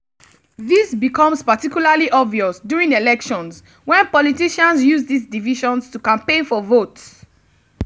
This becomes particularly obvious during elections when politicians use these divisions to campaign for votes.